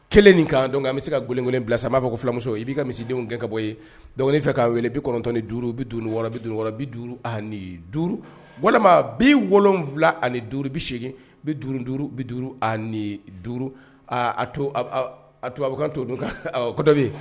Kelen nin kan don nka bɛ se ka g kelen bila san m b'a fɔ fulamuso i bɛ ka misidenw kɛ ka bɔ ye dɔgɔnin fɛ k'a wele bi kɔnɔntɔnɔnin duuru bi wɔɔrɔkɔrɔ bi duuru ani duuru walima bi wolo wolonwula ani duuru bi segin bi duuru duuru bi duuru ani duuru to a tukan to dɔbi yen